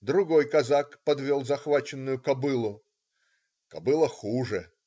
Другой казак подвел захваченную кобылу. Кобыла - хуже.